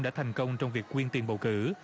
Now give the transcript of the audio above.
đã thành công trong việc quyên tiền bầu cử